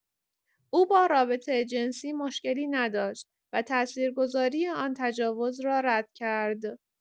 او با رابطه جنسی مشکلی نداشت و تاثیرگذاری آن تجاوز را رد کرد.